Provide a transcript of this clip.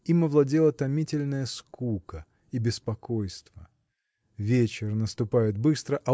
Им овладела томительная скука и беспокойство. Вечер наступает быстро